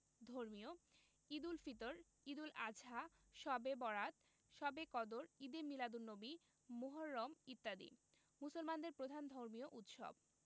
ধর্মীয় ঈদুল ফিত্ র ঈদুল আযহা শবে বরআত শবে কদর ঈদে মীলাদুননবী মুহররম ইত্যাদি মুসলমানদের প্রধান ধর্মীয় উৎসব